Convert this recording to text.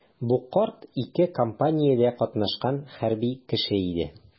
Бу карт ике кампаниядә катнашкан хәрби кеше иде.